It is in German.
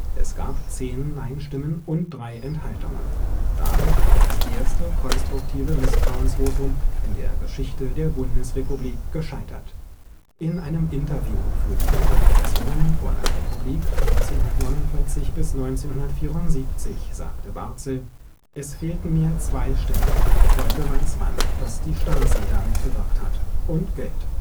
Es gab zehn Neinstimmen und drei Enthaltungen. Damit war das erste konstruktive Misstrauensvotum in der Geschichte der Bundesrepublik gescheitert. In einem Interview (Dokumentation „ Bonner Republik 1949 – 1974 “) sagte Barzel: „ Es fehlten mir zwei Stimmen. Heute weiss man, dass die Stasi da mitgewirkt hat – und Geld